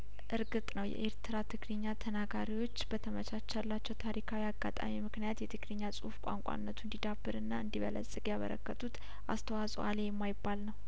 እርግጥ ነው የኤርትራ ትግሪኛ ተናጋሪዎች በተመቻቸላቸው ታሪካዊ አጋጣሚምክንያት የትግሪኛ ጽሁፍ ቋንቋነቱ እንዲ ዳብርና እንዲ በለጽግ ያበረከቱት አስተዋጽኦ አሌ የማይባል ነው